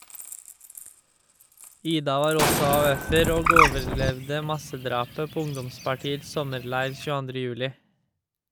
Ida var også AUF-er og overlevde massedrapet på ungdomspartiets sommerleir 22. juli.